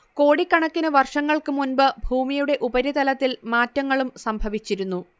കോടിക്കണക്കിനു വർഷങ്ങൾക്കു മുൻപ് ഭൂമിയുടെ ഉപരിതലത്തിൽ മാറ്റങ്ങളും സംഭവിച്ചിരുന്നു